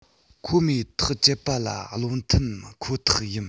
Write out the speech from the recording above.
ཁོ མོས ཐག བཅད པ ལ བློ མཐུན ཁོ ཐག ཡིན